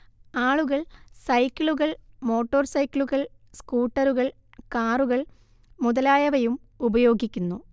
ആളുകൾ സൈക്കിളുകൾ മോട്ടോർ സൈക്കിളുകൾ സ്കൂട്ടറുകൾ കാറുകൾ മുതലായവയും ഉപയോഗിക്കുന്നു